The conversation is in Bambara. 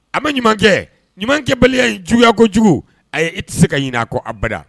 A ma ɲuman kɛ ɲuman kɛbaliya in juguya ko jugu ayi e ti se ka ɲinɛ a kɔ abada.